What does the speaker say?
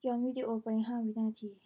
ย้อนวีดีโอไปห้าวินาที